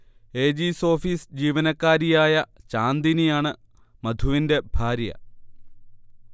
AG's office ജീവനക്കാരിയായ ചാന്ദ്നിയാണ് മധുവിന്റെ ഭാര്യ